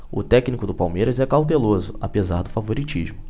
o técnico do palmeiras é cauteloso apesar do favoritismo